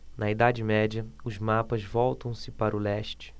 na idade média os mapas voltam-se para o leste